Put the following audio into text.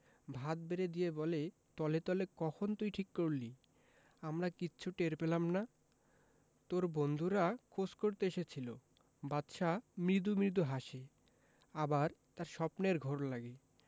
ভাত বেড়ে দিয়ে বলে তলে তলে কখন তুই ঠিক করলি আমরা কিচ্ছু টের পেলাম না তোর বন্ধুরা খোঁজ করতে এসেছিলো বাদশা মৃদু মৃদু হাসে আবার তার স্বপ্নের ঘোর লাগে